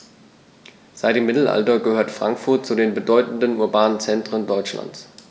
Seit dem Mittelalter gehört Frankfurt zu den bedeutenden urbanen Zentren Deutschlands.